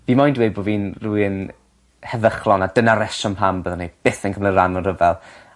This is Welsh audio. Fi moyn dweud bo' fi'n rywun heddychlon a dyna'r reswm pam byddwn i byth yn cymyd ran mewn rhyfel.